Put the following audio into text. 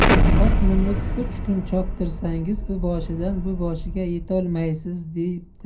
ot minib uch kun choptirsangiz u boshidan bu boshiga yetolmaysiz debdi